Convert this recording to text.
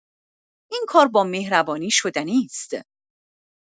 این کار با مهربانی شدنی است.